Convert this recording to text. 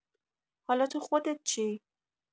حالا تو خودت چی؟